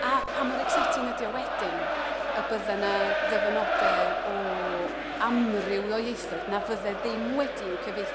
A pa mor exciting ydy o wedyn y byddai 'na ddyfynodau o amryw o ieithoedd na fyddai ddim wedi i'w cyfieithu?